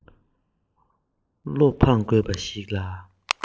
བློ ཕངས དགོས པ ཞིག ལ